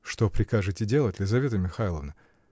-- Что прикажете делать, Лизавета Михайловна?